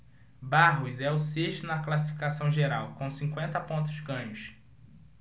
barros é o sexto na classificação geral com cinquenta pontos ganhos